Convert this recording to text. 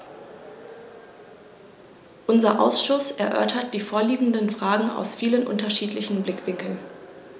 Unser Ausschuss erörtert die vorliegenden Fragen aus vielen unterschiedlichen Blickwinkeln.